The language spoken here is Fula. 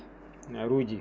ne ruuji